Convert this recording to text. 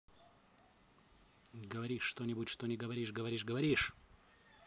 говоришь что нибудь что не говоришь говоришь говоришь